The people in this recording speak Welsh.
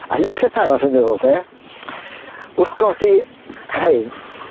A un peth arall dwi'n meddwl de, wrth godi hein